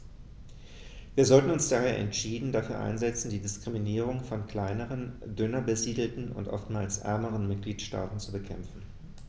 Wir sollten uns daher entschieden dafür einsetzen, die Diskriminierung von kleineren, dünner besiedelten und oftmals ärmeren Mitgliedstaaten zu bekämpfen.